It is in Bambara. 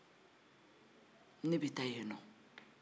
ne bɛ taa yennin nɔ